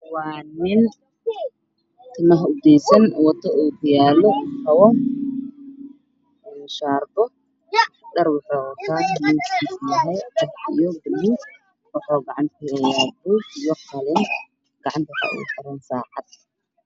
Waa nin timaha u deysan ok yaallo xiran shaatigi oo wato waa caddaan wax ayuu qorayaa